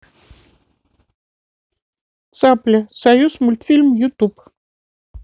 цапля союзмультфильм ютуб